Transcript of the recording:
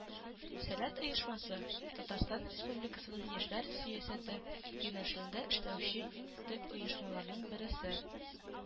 “сәләт” оешмасы — татарстан республикасының яшьләр сөясәте юнәшелендә эшләүче иң төп оешмаларның бересе